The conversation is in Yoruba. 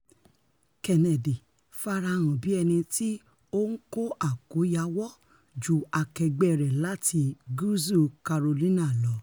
Kennedy farahàn bí ẹnití ó ńkó àkóyawọ́ ju akẹgbẹ́ rẹ̀ lati Gúúsù Carolina lọ.